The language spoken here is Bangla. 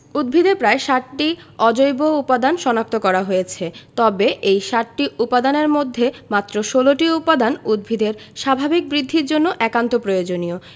উদ্ভিদে প্রায় ৬০টি অজৈব উপাদান শনাক্ত করা হয়েছে তবে এই ৬০টি উপাদানের মধ্যে মাত্র ১৬টি উপাদান উদ্ভিদের স্বাভাবিক বৃদ্ধির জন্য একান্ত প্রয়োজনীয়